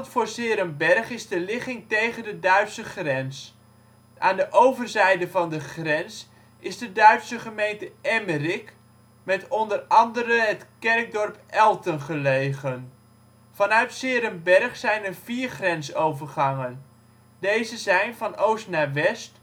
voor ' s-Heerenberg is de ligging tegen de Duitse grens. Aan de overzijde van de grens is de Duitse gemeente Emmerik (Duits: Emmerich) (met onder andere het kerkdorp Elten) gelegen. Vanuit ' s-Heerenberg zijn er vier grensovergangen. Deze zijn, van oost naar west